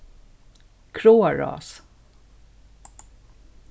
kráarrás